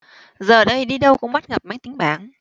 giờ đây đi đâu cũng bắt gặp máy tính bảng